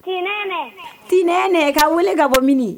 Tinɛnɛ . Tinɛnɛ kan wele ka bɔ mini ?